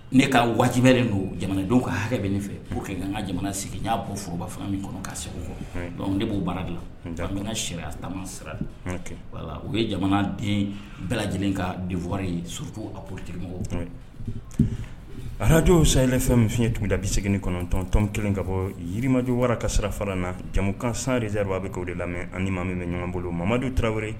Ne ka wajibi yɛrɛ don jamanadenw ka hakɛ bɛ fɛo an ka jamana sigi n'a foroba fanga min kɔnɔ ka segu kɔ de b'o baara dilan bɛn ka sariya ta sira u ye jamanaden bɛɛ lajɛlen ka diwa ye sju a ptemɔgɔ alij say fɛn min ye tun da bi segin kɔnɔntɔntɔn kelen ka bɔ yirimaj wara ka sira fara na jamumukansan deyiduba a bɛ' de lamɛn ani maa bɛ ɲɔgɔn bolo mamadu tarawele